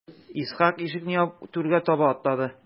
Исхак ишекне ябып түргә таба атлады.